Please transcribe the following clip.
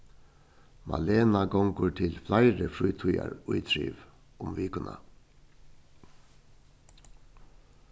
malena gongur til fleiri frítíðarítriv um vikuna